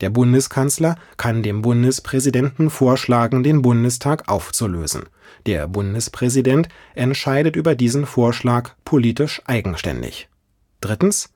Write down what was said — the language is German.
Bundeskanzler kann dem Bundespräsidenten vorschlagen, den Bundestag aufzulösen; der Bundespräsident entscheidet über diesen Vorschlag politisch eigenständig. Die